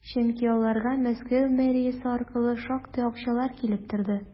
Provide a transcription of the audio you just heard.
Чөнки аларга Мәскәү мэриясе аркылы шактый акчалар килеп торды.